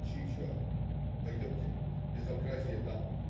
Чичуа: "Пойдемте, безобразие там!